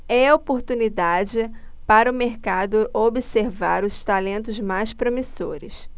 é a oportunidade para o mercado observar os talentos mais promissores